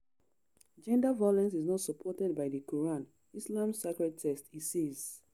Gender violence is not supported by the Quran, Islam's sacred text, he says.